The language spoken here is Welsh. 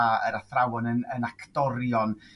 dda yr athrawon yn yn acdorion